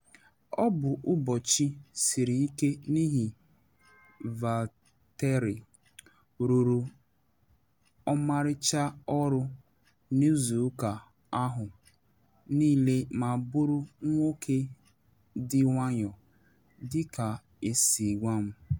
Ọ bụ ụbọchị siri ike n’ihi Valtteri rụrụ ọmarịcha ọrụ n’izu ụka ahụ niile ma bụrụ nwoke dị nwayọ dị ka esi gwa m.